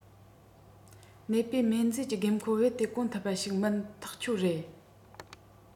ནད པའི སྨན རྫས ཀྱི དགོས མཁོ རྦད དེ སྐོང ཐུབ པ ཞིག མིན ཐག ཆོད རེད